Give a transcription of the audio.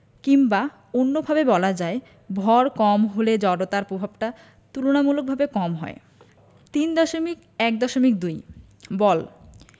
কিংবা অন্যভাবে বলা যায় ভর কম হলে জড়তার পভাবটা তুলনামূলকভাবে কম হয় ৩.১.২ বল